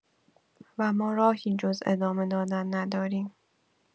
و ما راهی جز ادامه دادن نداریم.